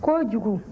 kojugu